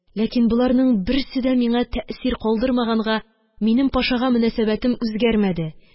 Ләкин боларның берсе дә миңа тәэсир калдырмаганга, минем Пашага мөнәсәбәтем үзгәрмәде